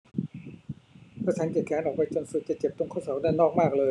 ถ้าฉันเหยียดแขนออกไปจนสุดจะเจ็บตรงข้อศอกด้านนอกมากเลย